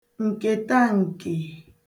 ǹkètaǹkè